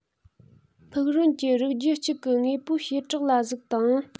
ཕུག རོན གྱི རིགས རྒྱུད གཅིག གི དངོས པོའི བྱེ བྲག ལ གཟིགས དང